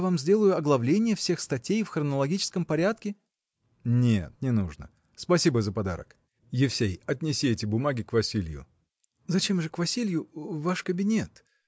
я вам сделаю оглавление всех статей в хронологическом порядке? – Нет, не нужно. Спасибо за подарок. Евсей! отнеси эти бумаги к Василью. – Зачем же к Василью? в ваш кабинет.